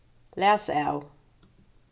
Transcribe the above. læs av